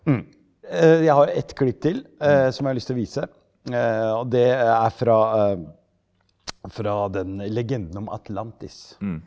ja jeg har ett klipp til som jeg har lyst til å vise og det er fra fra den Legenden om Atlantis.